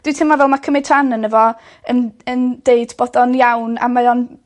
dwyt ti'm meddwl ma' cymyd rhan yno fo yn yn deud bod o'n iawn a mae o'n